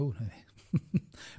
Ww, na fe.